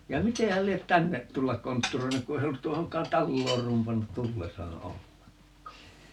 ja miten hän lie tänne tulla kontturoinut kun se ei ollut tuohonkaan taloon rumpannut tullessaan ollenkaan